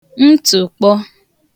ntụ̀kpọ